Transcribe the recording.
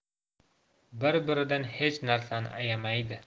bir biridan hech narsani ayamaydi